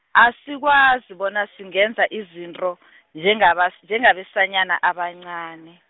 asikwazi bona singenza izinto, njengabas-, njengabesanyana abancani.